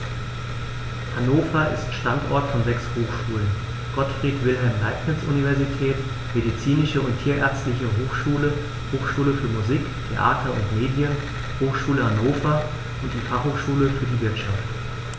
Hannover ist Standort von sechs Hochschulen: Gottfried Wilhelm Leibniz Universität, Medizinische und Tierärztliche Hochschule, Hochschule für Musik, Theater und Medien, Hochschule Hannover und die Fachhochschule für die Wirtschaft.